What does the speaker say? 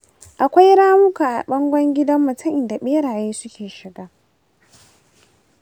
akwai ramuka a bangon gidanmu ta inda ɓeraye suke shigowa.